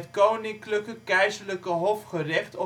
koninklijke/keizerlijke hofgerecht